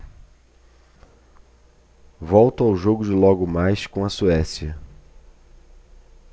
volto ao jogo de logo mais com a suécia